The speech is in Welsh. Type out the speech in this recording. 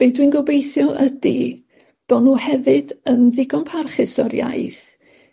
Be' dwi'n gobeithio ydi bo' nw hefyd yn ddigon parchus o'r iaith